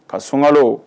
Ka sunkalo